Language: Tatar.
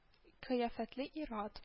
Кеяфәтле ир-ат